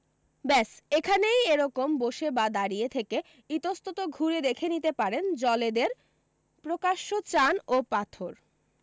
ব্যস এখানেই এরকম বসে বা দাঁড়িয়ে থেকে ইতস্তত ঘুরে দেখে নিতে পারেন জলেদের প্রকাশ্য চান ও পাথর